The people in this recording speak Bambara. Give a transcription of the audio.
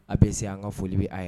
A bɛ se an ka foli bɛ'a ye